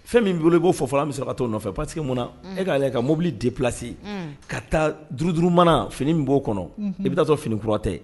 Fɛn min b' yen i b'o fɔ la an bɛ sɔrɔ ka to nɔfɛ pa parce que mun e k'aale ka mobili de plasi ka taa du duuru mana fini min b'o kɔnɔ e bɛtɔ finikuratɛ